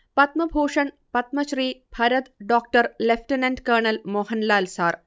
Padma Bhushan Padma Shri Bharat doctor lieutenant colonel Mohanlal sir